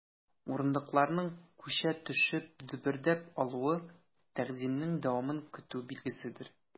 Урындыкларның, күчә төшеп, дөбердәп алуы— тәкъдимнең дәвамын көтү билгеседер.